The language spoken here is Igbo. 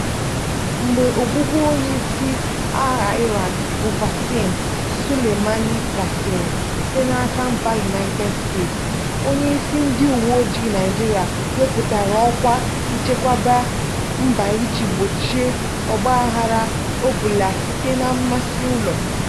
Mgbe ogbugbu onye isi agha Iran bụ Qasem Soleimani gasịrị, site n'aka mba United States, onye isi ndị uweojii Naịjirịa wepụtara ọkwa nchekwa mba iji gbochie ọgba aghara ọ bụla site na "mmasị ụlọ".